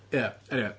Ia, eniwe